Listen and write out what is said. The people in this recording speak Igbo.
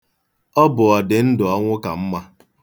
Ọ bụ ọ dị ndụ ọnwụ ka mma.